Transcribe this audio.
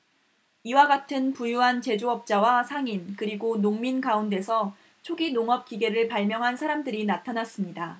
이와 같은 부유한 제조업자와 상인 그리고 농민 가운데서 초기 농업 기계를 발명한 사람들이 나타났습니다